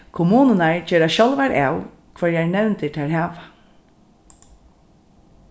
kommunurnar gera sjálvar av hvørjar nevndir tær hava